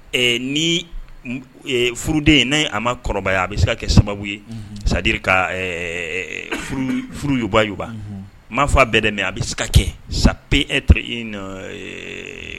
Ni furuden ye n' a ma kɔrɔbaya ye a bɛ se ka kɛ sababu ye sadiri ka furuybayba n ma fɔ a bɛɛ dɛmɛ a bɛ se ka kɛ sap et i